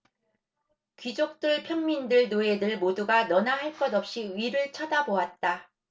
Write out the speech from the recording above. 귀족들 평민들 노예들 모두가 너나 할 것 없이 위를 쳐다보았다